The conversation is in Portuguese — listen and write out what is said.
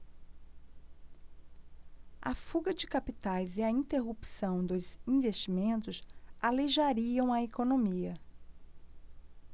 a fuga de capitais e a interrupção dos investimentos aleijariam a economia